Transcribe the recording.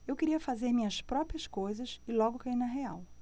eu queria fazer minhas próprias coisas e logo caí na real